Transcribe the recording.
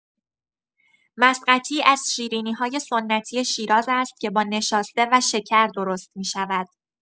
مسقطی از شیرینی‌های سنتی شیراز است که با نشاسته و شکر درست می‌شود.